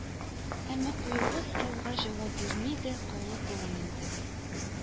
Әмма куелган сорауга җавап бирми дә калып булмый инде